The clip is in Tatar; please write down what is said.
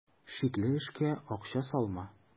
Шикле эшкә акча салма.